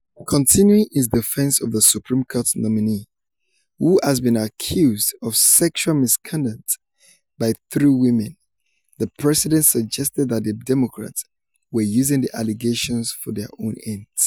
Continuing his defense of the Supreme Court nominee, who has been accused of sexual misconduct by three women, the president suggested that the Democrats were using the allegations for their own ends.